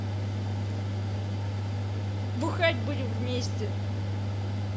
бухать будем вместе